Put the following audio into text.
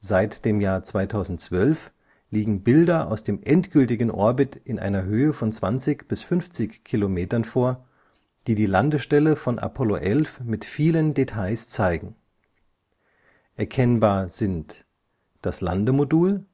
Seit 2012 liegen Bilder aus dem endgültigen Orbit in einer Höhe von 20 bis 50 Kilometern vor, die die Landestelle von Apollo 11 mit vielen Details zeigen. Erkennbar sind das Landemodul,